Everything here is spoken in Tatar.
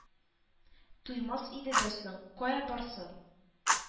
Туймас иде дә соң, кая барсын?